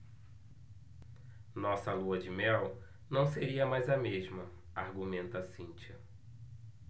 nossa lua-de-mel não seria mais a mesma argumenta cíntia